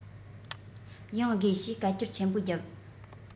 ཡང དགོས ཞེས སྐད ཅོར ཆེན པོ བརྒྱབ